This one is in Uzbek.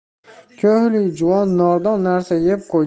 ko'hlik juvon nordon narsa